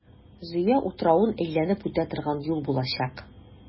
Зөя утравын әйләнеп үтә торган юл булачак.